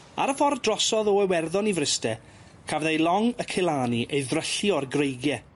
Ar y ffor drosodd o Iwerddon i Fryste, cafodd eu long y Cilani ei ddryllio ar greigie.